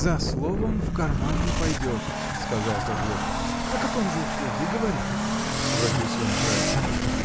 — За словом в карман не пойдет! — сказал Козлов. — На каком же условии? Говори! — обратился он к Райскому.